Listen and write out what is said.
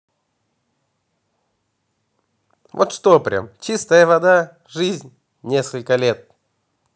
во что прямо чистая вода жизнь несколько лет